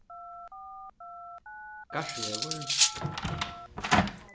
garðsvegur